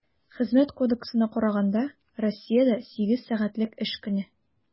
Хезмәт кодексына караганда, Россиядә сигез сәгатьлек эш көне.